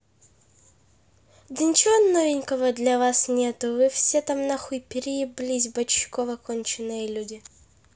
да ничего новенького для вас нету вы все там нахуй перееблись бочкова конченные люди